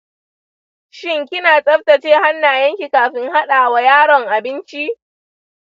shin kina tsaftace hannayenki kafin haɗawa yaron abinci?